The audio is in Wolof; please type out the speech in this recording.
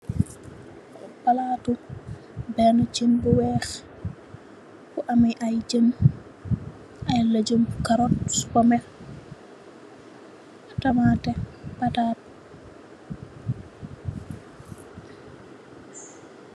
Palaatu benne ceen bu weex, bu amme ay jen, ay lajum karot, supame, tamate, pataat.